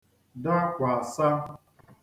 dakwàsa